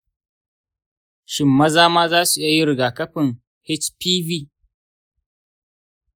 shin maza ma zasu iya yin rigakafin hpv?